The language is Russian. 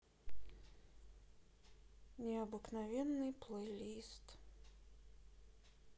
необыкновенный плейлист